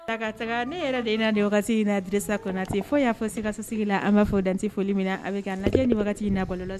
Saga taga ne yɛrɛ de na de in nadisa kɔnɔnana ten fɔ y'a fɔ sikasosigi la an b'a fɔ dante foli min na a bɛ ka lajɛ ni in na bolo la